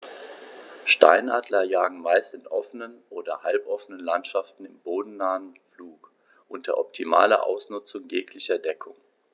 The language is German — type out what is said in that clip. Steinadler jagen meist in offenen oder halboffenen Landschaften im bodennahen Flug unter optimaler Ausnutzung jeglicher Deckung.